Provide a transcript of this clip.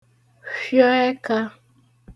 fhịọ ẹkā